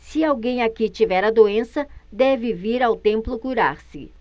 se alguém aqui tiver a doença deve vir ao templo curar-se